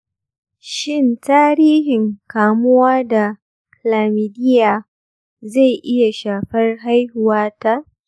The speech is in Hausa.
shin tarihin kamuwa da chlamydia zai iya shafar haihuwata?